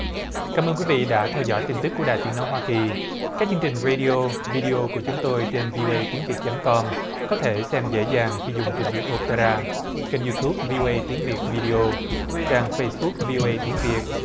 cảm ơn quý vị đã theo dõi tin tức của đài tiếng nói hoa kỳ các chương trình rây đi ô vi đi ô của chúng tôi trên vi âu ây tiếng việt chấm com có thể xem dễ dàng khi dùng trình duyệt ô pê ra kênh diu túp vi âu ây tiếng việt vi đi ô trang phây búc vi âu ây tiếng việt